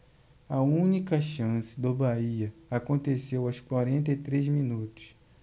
a única chance do bahia aconteceu aos quarenta e três minutos